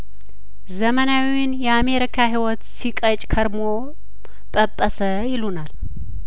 ዘመናዊውን የአሜሪካ ህይወት ሲቀጭ ከርሞ ጰጰሰ ይሉናል